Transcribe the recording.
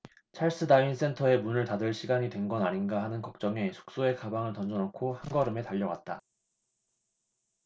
찰스 다윈 센터의 문을 닫을 시간이 된 건 아닌가 하는 걱정에 숙소에 가방을 던져넣고 한걸음에 달려갔다